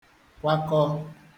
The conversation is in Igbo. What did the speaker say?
kwakọ